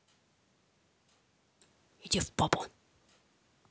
иди в попу